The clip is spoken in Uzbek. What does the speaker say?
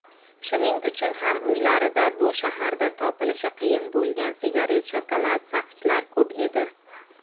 shuning uchun ham uylarida bu shaharda topilishi qiyin bo'lgan sigaret shokolad saqichlar ko'p edi